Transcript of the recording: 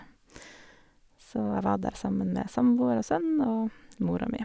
Så jeg var der sammen med samboer og sønn og mora mi.